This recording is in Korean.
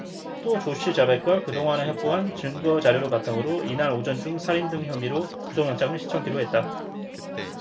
또 조씨 자백과 그동안 확보한 증거 자료를 바탕으로 이날 오전 중 살인 등 혐의로 구속영장을 신청키로 했다